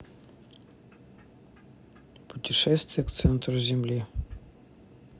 путешествие к центру земли